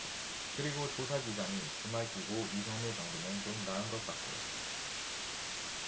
그리고 조사 기간이 주말 끼고 이 삼 일 정도면 좀 나은 것 같고요